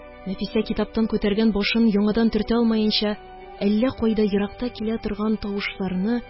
Нәфисә, китаптан күтәргән башын яңадан төртә алмаенча, әллә кайда ерактан килә торган тавышларны,